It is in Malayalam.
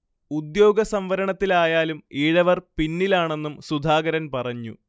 ഉദ്യോഗ സംവരണത്തിലായാലും ഈഴവർ പിന്നിലാണെന്നും സുധാകരൻ പറഞ്ഞു